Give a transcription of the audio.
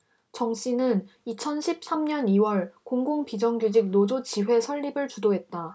정씨는 이천 십 삼 년 이 월 공공비정규직 노조 지회 설립을 주도했다